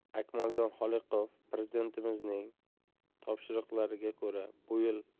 akmaljon xoliqovprezidentimizning topshiriqlariga ko'ra bu